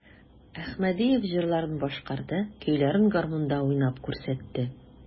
Әхмәдиев җырларын башкарды, көйләрен гармунда уйнап күрсәтте.